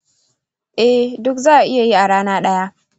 eh, duk za'a iya yi a rana ɗaya.